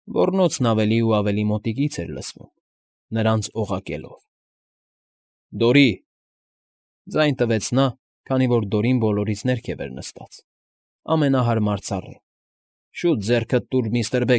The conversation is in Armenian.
Ոռնոնցն ավելի ու ավելի մոտիկից էր լսվում, նրանց օղակելով։֊ Դորի,֊ ձայն տվեց նա, քանի որ Դորին բոլորից ներքև էր նստած, ամենահարմար ծառին։֊ Շուտ ձեռքդ տուր միստր։